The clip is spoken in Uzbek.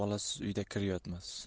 bolasiz uyda kir yotmas